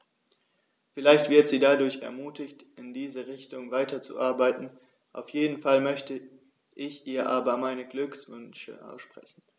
Vielleicht wird sie dadurch ermutigt, in diese Richtung weiterzuarbeiten, auf jeden Fall möchte ich ihr aber meine Glückwünsche aussprechen.